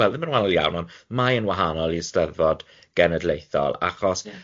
wel ddim yn wahanol iawn, ond mae e'n wahanol i Eisteddfod Genedlaethol, achos ie.